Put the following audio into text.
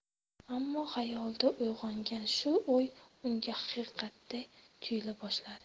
ammo xayolida uyg'ongan shu o'y unga haqiqatday tuyula boshladi